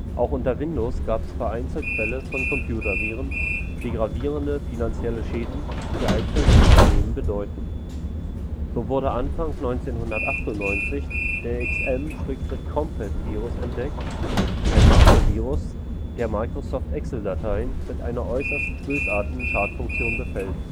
Auch unter Windows gab es vereinzelt Fälle von Computer-Viren, die gravierende finanzielle Schäden für einzelne Unternehmen bedeuteten. So wurde Anfang 1998 der XM/Compat-Virus entdeckt, ein Makro-Virus, der Microsoft-Excel-Dateien mit einer äußerst bösartigen Schadfunktion befällt